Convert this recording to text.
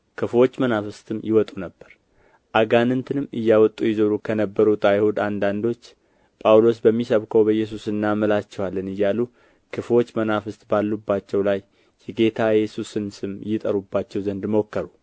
ክፉዎች መናፍስትም ይወጡ ነበር አጋንንትንም እያወጡ ይዞሩ ከነበሩት አይሁድ አንዳንዶች ጳውሎስ በሚሰብከው በኢየሱስ እናምላችኋለን እያሉ ክፉዎች መናፍስት ባሉባቸው ላይ የጌታን የኢየሱስን ስም ይጠሩባቸው ዘንድ ሞከሩ